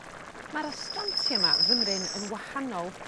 Ma'r astrantia 'ma fymryn yn wahanol